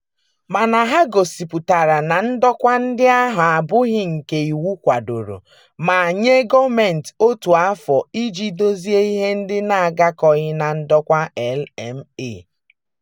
Mana ha gosipụtara na ndokwa ndị ahụ abụghị nke iwu kwadoro ma nye gọọmentị otu afọ iji dozie ihe ndị na-agakọghị na ndokwa LMA.